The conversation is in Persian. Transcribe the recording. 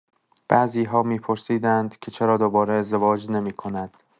بعضی‌ها می‌پرسیدند که چرا دوباره ازدواج نمی‌کند.